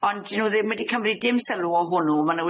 Ond 'dyn nw ddim wedi cymryd dim sylw o hwnnw ma' n'w